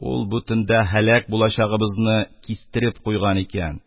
Ул бу төндә һәлак булачагыбызны кистереп куйган икән.